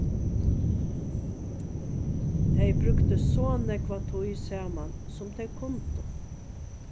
tey brúktu so nógva tíð saman sum tey kundu